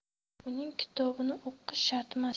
uning kitobini o'qish shartmas